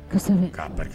Kosɛbɛ, k'a barika